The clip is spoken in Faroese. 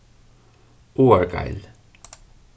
áargeil